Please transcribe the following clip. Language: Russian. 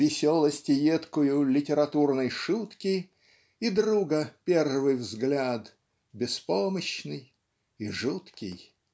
Веселость едкую литературной шутки И друга первый взгляд беспомощный и жуткий.